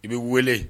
I bɛ wele